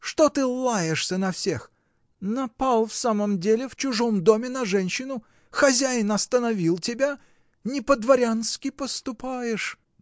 Что ты лаешься на всех: напал, в самом деле, в чужом доме на женщину — хозяин остановил тебя — не по-дворянски поступаешь!.